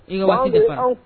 Waati fa